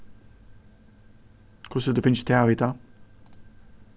hvussu hevur tú fingið tað at vita